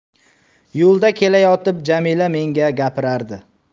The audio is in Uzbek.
yo'lda kelayotib jamila menga gapirardi